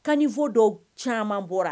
Kanifɔ dɔw caman bɔra